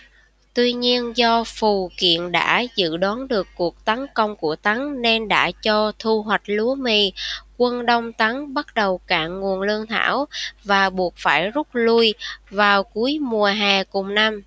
tuy nhiên do phù kiện đã dự đoán được cuộc tấn công của tấn nên đã cho thu hoạch lúa mì quân đông tấn bắt đầu cạn nguồn lương thảo và buộc phải rút lui vào cuối mùa hè cùng năm